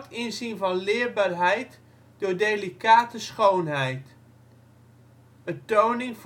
inzien van leerbaarheid door delicate schoonheid "(" Atoning